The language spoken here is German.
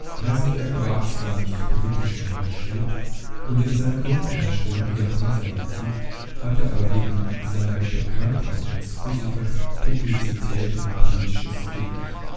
Heisenberg war zwar nicht politisch engagiert (und in seiner Grundeinstellung eher konservativ), hatte aber wegen seiner Bekanntheit als Physiker Publizität und politisches Gewicht